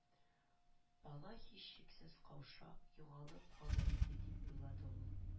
Бала һичшиксез каушап, югалып калыр иде дип уйлады ул